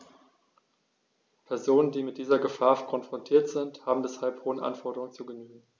Personen, die mit dieser Gefahr konfrontiert sind, haben deshalb hohen Anforderungen zu genügen.